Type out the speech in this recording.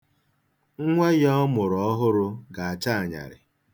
Nnwa ya ọ mụrụ ọhụrụ ga-acha anyarị.